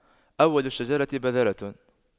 أول الشجرة بذرة